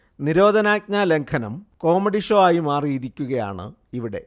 നിരോധനാജ്ഞ ലംഘനം comedy show ആയി മാറിയിരിക്കുകയാണ് ഇവിടെ